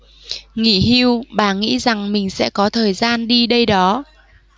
nghỉ hưu bà nghĩ rằng mình sẽ có thời gian đi đây đó